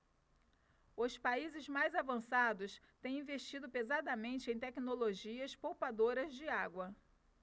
os países mais avançados vêm investindo pesadamente em tecnologias poupadoras de água